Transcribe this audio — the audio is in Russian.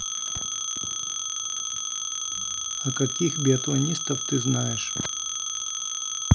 а каких биатлонистов ты знаешь